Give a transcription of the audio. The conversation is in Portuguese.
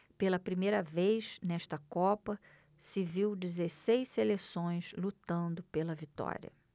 pela primeira vez nesta copa se viu dezesseis seleções lutando pela vitória